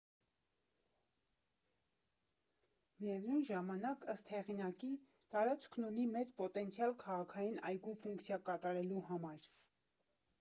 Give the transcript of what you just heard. Միևնույն ժամանակ, ըստ հեղինակի, տարածքն ունի մեծ պոտենցիալ քաղաքային այգու ֆունկցիա կատարելու համար։